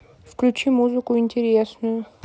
включи музыку интересную